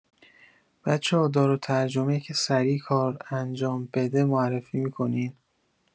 بچه‌ها دارالترجمه‌ای که سریع کار انجام بده معرفی می‌کنین؟